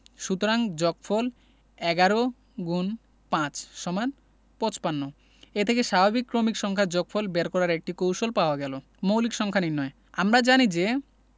সুতরাং যগফল ১১*৫=৫৫ এ থেকে স্বাভাবিক ক্রমিক সংখ্যার যোগফল বের করার একটি কৌশল পাওয়া গেল মৌলিক সংখ্যা নির্ণয় আমরা জানি যে